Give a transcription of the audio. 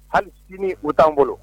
Hali sini u t'an bolo